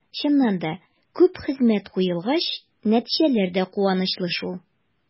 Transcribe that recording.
Чыннан да, күп хезмәт куелгач, нәтиҗәләр дә куанычлы шул.